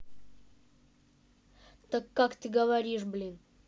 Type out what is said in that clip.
так как ты говоришь блин